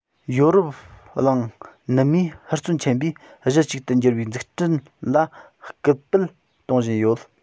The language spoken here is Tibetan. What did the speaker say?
ཡོ རོབ གླིང ནུབ མས ཧུར བརྩོན ཆེན པོས གཞི གཅིག ཏུ འགྱུར བའི འཛུགས སྐྲུན ལ སྐུལ སྤེལ གཏོང བཞིན ཡོད